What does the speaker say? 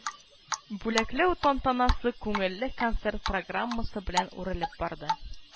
Бүләкләү тантанасы күңелле концерт программасы белән үрелеп барды